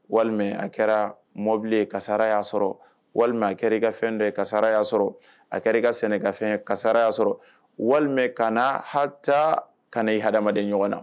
Walima a kɛra mɔbili ye kasara y'a sɔrɔ walima a kɛra i ka fɛn dɔ ye karaya sɔrɔ a kɛra i ka sɛnɛ kafɛn kasara y'a sɔrɔ walima kana hata ka na hadamaden ɲɔgɔn